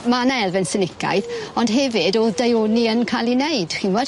Ma' 'na elfen sinicaidd ond hefyd o'dd daioni yn ca'l 'i neud chi'n w'od?